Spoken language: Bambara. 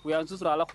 U yan sutura Ala ku